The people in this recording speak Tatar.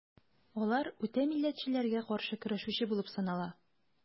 Алар үтә милләтчеләргә каршы көрәшүче булып санала.